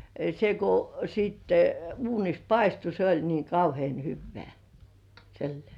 se kun sitten uunissa paistui se oli niin kauhean hyvää sillä lailla